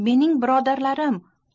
mening birodarlarim